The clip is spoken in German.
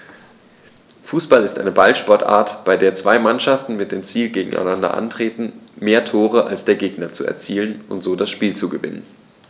Fußball ist eine Ballsportart, bei der zwei Mannschaften mit dem Ziel gegeneinander antreten, mehr Tore als der Gegner zu erzielen und so das Spiel zu gewinnen.